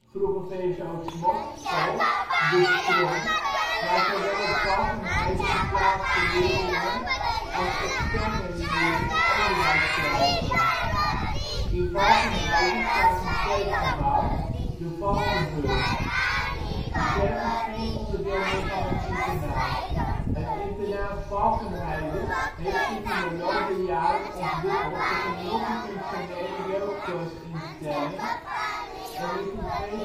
vroeger VSO ZMOK) school (De Sprong) waar zowel op Valkenheide geplaatste leerlingen als ' externe ' leerlingen onderwijs krijgen. In Valkenheide staat een kerkgebouw, ' de Valkenburcht '. De kerk is geen onderdeel meer van het internaat. Het internaat Valkenheide heeft zich in de loop der jaren ontwikkeld tot een multifunctionele jeugdzorg-instelling en is in 2009